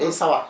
day sawar